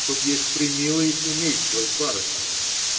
тут есть премилые семейства, и с барышнями.